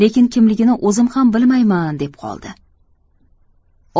lekin kimligini o'zim ham bilmayman deb qoldi